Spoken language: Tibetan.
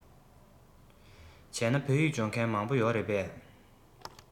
བྱས ན བོད ཡིག སྦྱོང མཁན མང པོ ཡོད པ རེད